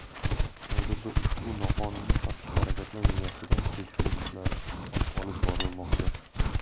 hozirda ushbu noqonuniy xatti harakatlar yuzasidan tekshiruv ishlari olib borilmoqda